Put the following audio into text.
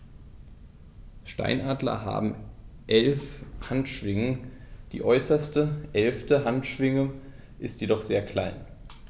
Steinadler haben 11 Handschwingen, die äußerste (11.) Handschwinge ist jedoch sehr klein.